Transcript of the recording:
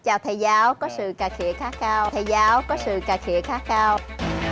chào thầy giáo có sự cà khịa khá cao thầy giáo có sự cà khịa khá cao